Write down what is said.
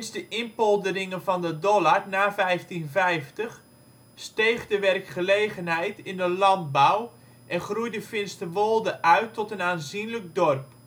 de inpolderingen van de Dollard na 1550 steeg de werkgelegenheid in de landbouw en groeide Finsterwolde uit tot een aanzienlijk dorp